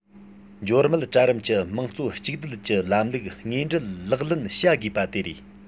འབྱོར མེད གྲལ རིམ གྱི དམངས གཙོ གཅིག སྡུད ཀྱི ལམ ལུགས དངོས འབྲེལ ལག ལེན བྱ དགོས པ དེ རེད